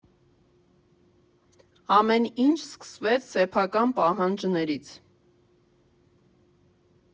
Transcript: Ամեն ինչ սկսվեց սեփական պահանջներից։